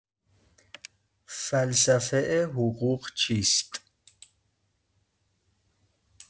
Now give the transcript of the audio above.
فلسفه حقوق چیست؟